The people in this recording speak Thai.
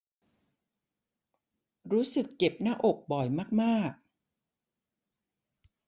รู้สึกเจ็บหน้าอกบ่อยมากมาก